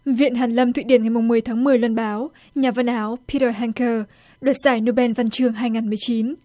viện hàn lâm thụy điển ngày mùng mười tháng mười loan báo nhà văn áo pi tờ hen cơ đoạt giải nô ben văn chương hai ngàn mười chín